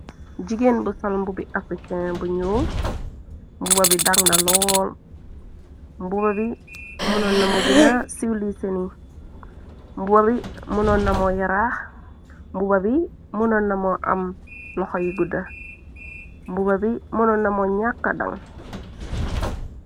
Jigéen bu sol mbubi Africain bu ñuul, mbuba bi dàng na lool, mbuba bi munoon namo gina silwesee ni, mbuba bi munoon namoo yaraax, mbuba bi munoon namoo am loxo yu gudda, mbuba bi mënoon namoo ñaka daŋ.